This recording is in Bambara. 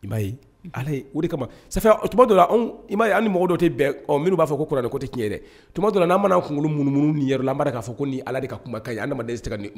I ma ye o de kama ça fait o tuma dɔ la anw ni i ma ye anw ni mɔgɔ dɔ tɛ bɛn ɔ minnu b'a fɔ ko kuranɛ ko tɛ tiɲɛ ye dɛ, tuma n'an mana an kunkolo munumunu ni yɛrɛ la an bɛ k'a ko ni ye Ala de ka kumakan ye adamaden tɛ ka nin